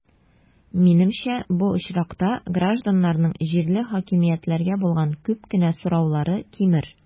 Минемчә, бу очракта гражданнарның җирле хакимиятләргә булган күп кенә сораулары кимер.